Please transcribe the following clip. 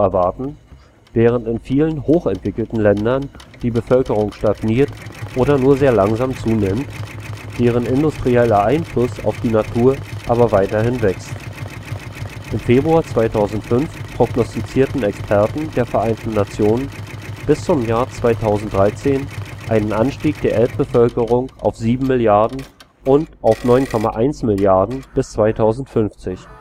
erwarten, während in vielen hoch entwickelten Ländern die Bevölkerung stagniert oder nur sehr langsam zunimmt, deren industrieller Einfluss auf die Natur aber weiterhin wächst. Im Februar 2005 prognostizierten Experten der Vereinten Nationen bis zum Jahr 2013 einen Anstieg der Erdbevölkerung auf 7 Milliarden und auf 9,1 Milliarden bis 2050